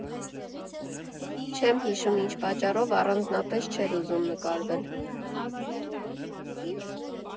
Չեմ հիշում ինչ պատճառով՝ առանձնապես չէր ուզում նկարվել։